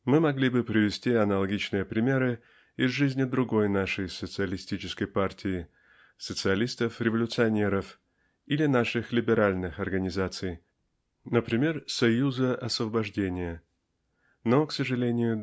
Мы могли бы привести аналогичные примеры из жизни другой нашей социалистической партии социалистов революционеров или наших либеральных организаций например "Союза освобождения" но к сожалению